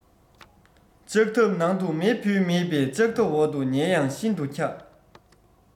ལྕགས ཐབ ནང དུ མེ བུད མེད པས ལྕགས ཐབ འོག ཏུ ཉལ ཡང ཤིན ཏུ འཁྱགས